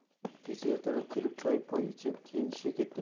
kecha ertalab kelib choy poy ichib keyin ishga ketdilar